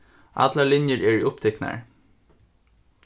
allar linjur eru upptiknar